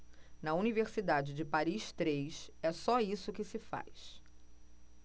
na universidade de paris três é só isso que se faz